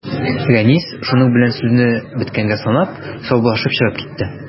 Рәнис, шуның белән сүзне беткәнгә санап, саубуллашып чыгып китте.